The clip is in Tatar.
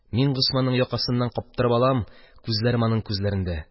Мин Госманның якасыннан каптырып алам, күзләрем аның күзләрендә.